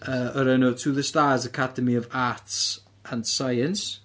Yy o'r enw To The Stars Academy of Arts and Science